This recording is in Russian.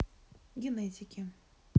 генетики